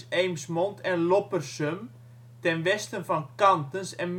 Eemsmond en Loppersum ten westen van Kantens en